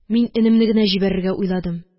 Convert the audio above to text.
Мин энемне генә җибәрергә уйладым